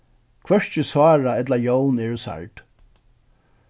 hvørki sára ella jón eru særd